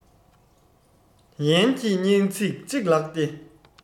ཡན གྱི སྙན ཚིག ཅིག ལགས ཏེ